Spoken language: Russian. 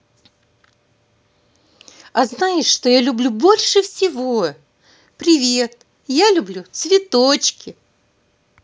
а знаешь что я люблю больше всего привет я люблю цветочки